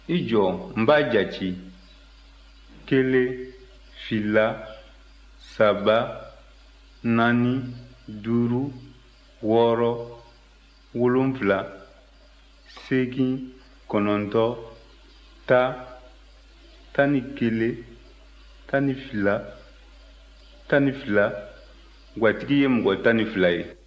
i jɔ n b'a jate kelen fila saba naani duuru wɔɔrɔ wolonfila seegin kɔnɔntɔn tan tan ni kelen tan ni fila tan ni fila gatigi ye mɔgɔ tan ni fila ye